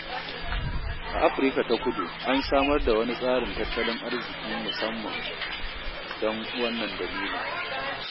A Afirka ta Kudu, an samar da wani tsarin tattalin arziki musamman don wannan dalilin.